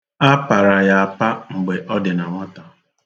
A para ya apa mgbe ọ dị na nwata.